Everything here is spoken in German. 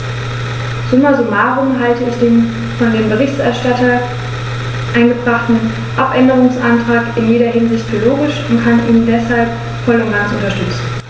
Summa summarum halte ich den von dem Berichterstatter eingebrachten Abänderungsantrag in jeder Hinsicht für logisch und kann ihn deshalb voll und ganz unterstützen.